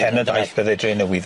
Pen y daith fydde Drenewidd.